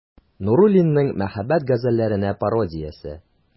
Нуруллинның «Мәхәббәт газәлләренә пародия»се.